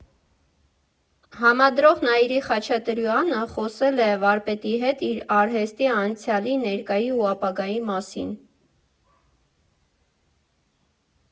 Համադրող Նաիրի Խաչատուրեանը խոսել է վարպետի հետ իր արհեստի անցյալի, ներկայի ու ապագայի մասին։